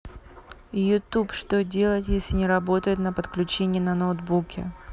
youtube что делать если не работает на подключение на ноутбуке